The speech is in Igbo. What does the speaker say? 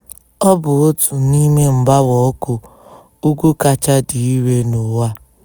Ọ bụ otu n'ime mgbawa ọkụ ugwu kacha dị irè n'ụwa.